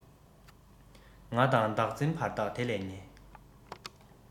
ང དང བདག འཛིན བར ཐག དེ ལས ཉེ